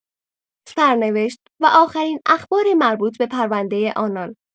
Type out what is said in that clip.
سرنوشت و آخرین اخبار مربوط به پرونده آنان